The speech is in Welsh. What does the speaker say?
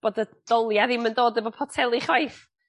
Bod y dolia' ddim yn dod efo poteli chwaith.